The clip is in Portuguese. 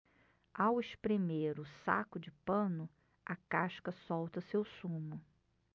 ao espremer o saco de pano a casca solta seu sumo